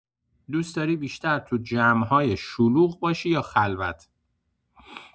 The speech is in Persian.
دوست‌داری بیشتر تو جمع‌های شلوغ باشی یا خلوت؟